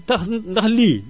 tax ndax lii